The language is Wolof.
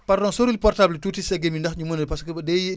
pardon soril portable bi tuuti sa géméñ ndax ñu mën a parce que ba day